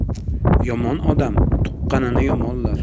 yomon odam tuqqanini yomonlar